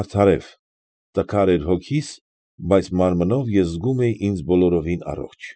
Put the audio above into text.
Արդարև, տկար է հոգիս, իսկ մարմնով ես զգում էի ինձ բոլորովին առողջ։